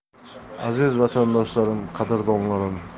aziz vatandoshlarim qadrdonlarim